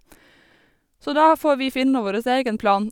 Så da får vi finne vårres egen plan.